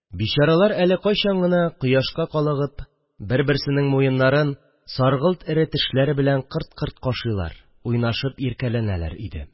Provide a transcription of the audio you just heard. Бичаралар, әле кайчан гына кояшка калыгып бер-берсенең муеннарын саргылт эре тешләре белән кырт-кырт кашыйлар, уйнашып иркәләнәләр иде